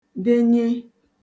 denye